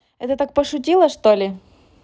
это так пошутила что ли